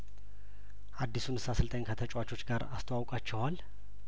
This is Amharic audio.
አዲሱን ስአሰልጣኝ ከተጫዋቾች ጋር አስተዋውቃችኋል